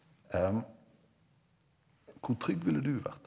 hvor trygg ville du vært?